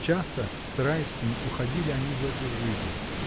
Часто с Райским уходили они в эту жизнь.